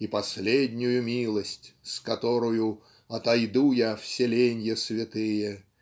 И последнюю милость, с которою Отойду я в селенья святые,